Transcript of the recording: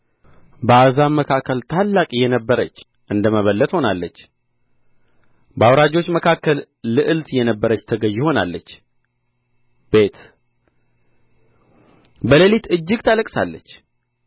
በአሕዛብ መካከል ታላቅ የነበረች እንደ መበለት ሆናለች በአውራጆች መካከል ልዕልት የነበረች ተገዢ ሆናለች ቤት በሌሊት እጅግ ታላቅሳለች